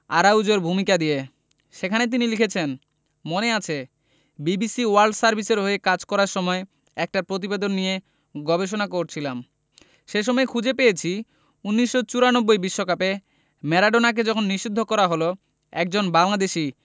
আরাউজোর ভূমিকা দিয়ে সেখানে তিনি লিখেছেন মনে আছে বিবিসি ওয়ার্ল্ড সার্ভিসের হয়ে কাজ করার সময় একটা প্রতিবেদন নিয়ে গবেষণা করছিলাম সে সময় খুঁজে পেয়েছি ১৯৯৪ বিশ্বকাপে ম্যারাডোনাকে যখন নিষিদ্ধ করা হলো একজন বাংলাদেশি